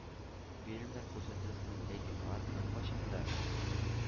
Фильмнар күрсәтелсен, ләкин алар беркайчан да,